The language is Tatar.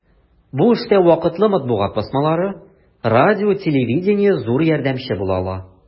Бу эштә вакытлы матбугат басмалары, радио-телевидение зур ярдәмче була ала.